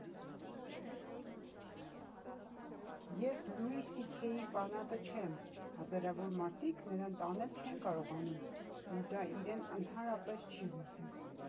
Ես Լուի Սի Քեյի ֆանատը չեմ, հազարավոր մարդիկ նրան տանել չեն կարողանում, ու դա իրեն ընդհանրապես չի հուզում։